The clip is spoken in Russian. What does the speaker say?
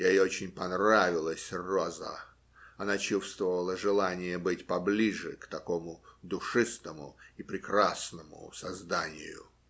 Ей очень понравилась роза, она чувствовала желание быть поближе к такому душистому и прекрасному созданию.